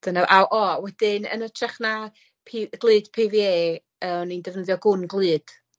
Dyna a o a wedyn yn ytrach na pPee glud Pee Vee Ay yy o'n i'n defnyddio gwn glud.